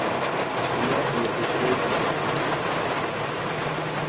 eg lat meg í skoyturnar